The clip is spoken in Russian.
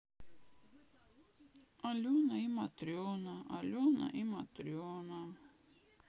алена и матрена алена и матрена